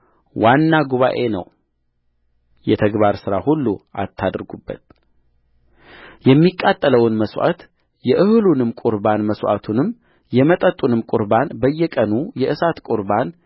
ዋና ጉባኤ ነው የተግባር ሥራ ሁሉ አታድርጉበትየሚቃጠለውን መሥዋዕት የእህሉንም ቍርባን መሥዋዕቱንም የመጠጡንም ቍርባን በየቀኑ የእሳት ቍርባን